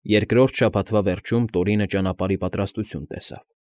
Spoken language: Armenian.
Երկրորդ շաբաթվա վերջում Տորինը ճանապարհի պատրաստություն տեսավ։